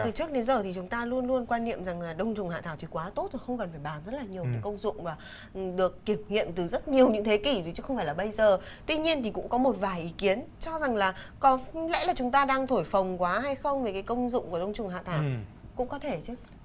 từ trước đến giờ thì chúng ta luôn luôn quan niệm rằng là đông trùng hạ thảo thì quá tốt không cần phải bàn rất là nhiều công dụng và được thực hiện từ rất nhiều những thế kỷ rồi chứ không phải là bây giờ tuy nhiên thì cũng có một vài ý kiến cho rằng là có lẽ là chúng ta đang thổi phồng quá hay không vì cái công dụng của đông trùng hạ thảo cũng có thể chứ